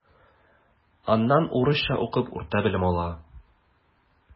Аннан урысча укып урта белем ала.